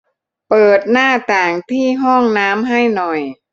เปิดหน้าต่างที่ห้องน้ำให้หน่อย